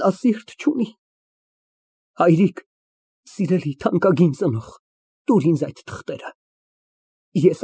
Նա սիրտ չունի։ Հայրիկ, սիրելի թանկագին ծնող, տուր ինձ այդ թղթերը։